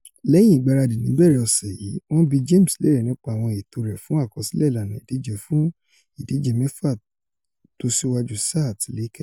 Lẹ́yìn ìgbaradì níbẹ̀rẹ̀ ọ̀sẹ̀ yìí, wọ́n bí James léèrè nípa àwọn ètò rẹ̀ fún àkọsílẹ̀ ìlànà ìdíje fún ìdíje mẹ́fà tósíwájú sáà ti Lakers.